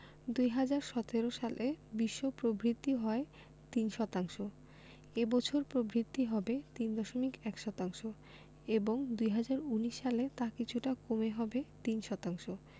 ২০১৭ সালে বিশ্ব প্রবৃদ্ধি হয় ৩.০ শতাংশ এ বছর প্রবৃদ্ধি হবে ৩.১ শতাংশ এবং ২০১৯ সালে তা কিছুটা কমে হবে ৩.০ শতাংশ